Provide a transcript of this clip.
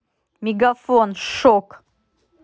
мегафон шок